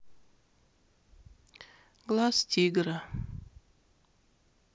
глаз тигра